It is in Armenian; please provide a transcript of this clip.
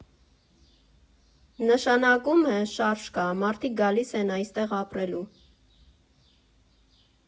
Նշանակում է՝ շարժ կա, մարդիկ գալիս են այստեղ ապրելու։